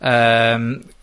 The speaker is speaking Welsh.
yym.